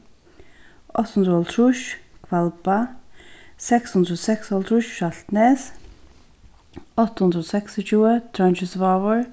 átta hundrað og hálvtrýss hvalba seks hundrað og seksoghálvtrýss saltnes átta hundrað og seksogtjúgu trongisvágur